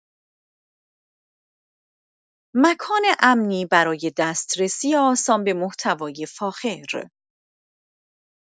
مکان امنی برای دسترسی آسان به محتوای فاخر